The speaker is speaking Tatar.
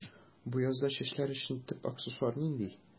Бу язда чәчләр өчен төп аксессуар нинди?